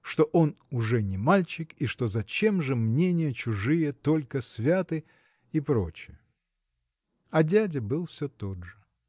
что он уже не мальчик и что зачем же мнения чужие только святы ? и проч. А дядя был все тот же